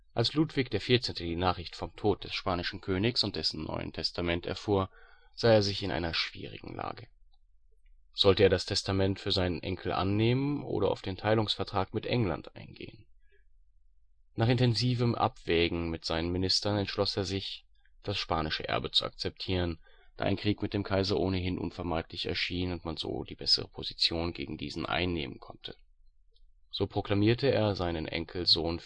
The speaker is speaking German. Als Ludwig XIV. die Nachricht vom Tod des spanischen Königs und dessen neuen Testament erfuhr, sah er sich in einer schwierigen Lage. Sollte er das Testament für seinen Enkel annehmen oder auf den Teilungsvertrag mit England eingehen? Nach intensivem Abwägen mit seinen Ministern entschloss er sich, das spanische Erbe zu akzeptieren, da ein Krieg mit dem Kaiser ohnehin unvermeidlich erschien und man so die bessere Position gegen diesen einnehmen konnte. So proklamierte er seinen Enkelsohn